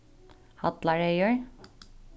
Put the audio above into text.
hallarheygur